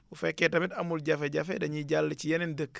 bu fekkee tamit amul jafe-jafe dañiy jàll ci yeneen dëkk